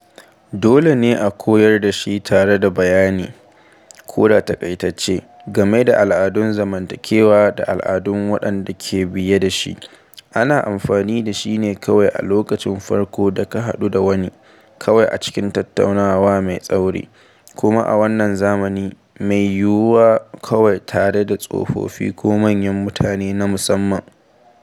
Dole ne a koyar da shi tare da bayani, ko da taƙaitacce, game da al’adun zamantakewa da al’adu waɗanda ke biye da shi: Ana amfani da shi ne kawai a lokacin farko da ka hadu da wani, kawai a cikin tattaunawa mai tsauri, kuma a wannan zamani, mai yiwuwa kawai tare da tsofaffi ko manyan mutane na musamman.